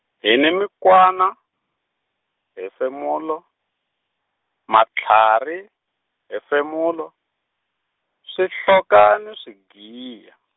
hi ni mikwana, hefemulo, matlhari, hefemulo, swihloka ni swigiya.